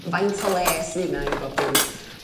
faint o le sy 'na i bob dim.